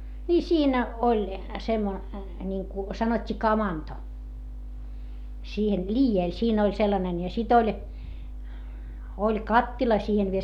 niin siinä oli - niin kuin sanottiin kamanto siihen liedellä siinä oli sellainen ja sitten oli oli kattila siihen vielä